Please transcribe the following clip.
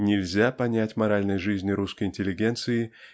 Нельзя понять моральной жизни русской интеллигенции